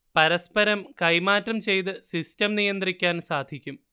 പരസ്പരം കൈമാറ്റം ചെയ്ത് സിസ്റ്റം നിയന്ത്രിക്കാൻ സാധിക്കും